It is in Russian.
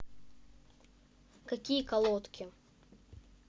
какие колодки